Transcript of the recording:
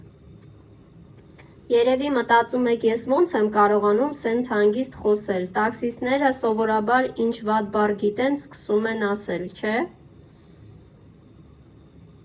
Երևի մտածում եք՝ էս ո՞ց եմ կարողանում սենց հանգիստ խոսել, տաքսիստները սովորաբար ինչ վատ բառ գիտեն, սկսում են ասել, չէ՞։